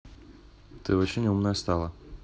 ты очень умная стала